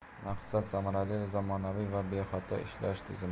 maqsad samarali zamonaviy va bexato ishlash